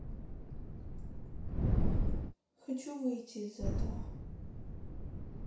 хочу выйти из этого